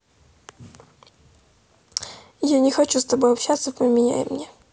я не хочу с тобой общаться поменяй мне